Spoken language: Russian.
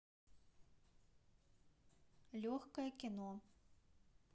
легкое кино